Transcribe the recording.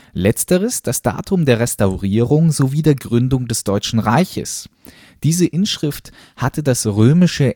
letzteres das Datum der Restaurierung sowie der Gründung des Deutschen Reiches. Diese Inschrift hatte das römische